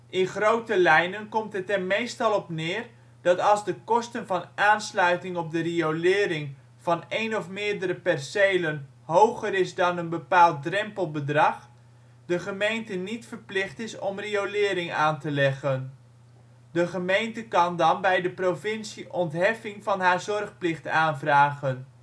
In grote lijnen komt het er meestal op neer dat als de kosten van aansluiting op de riolering van een of meerdere percelen hoger is dan een bepaald drempelbedrag de gemeente niet verplicht is om riolering aan te leggen. De gemeente kan dan bij de provincie ontheffing van haar zorgplicht aanvragen